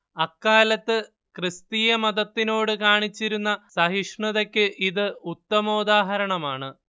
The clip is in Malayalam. അക്കാലത്ത് ക്രിസ്തീയ മതത്തിനോടു കാണിച്ചിരുന്ന സഹിഷ്ണൂതക്ക് ഇത് ഉത്തമോദാഹരണമാണ്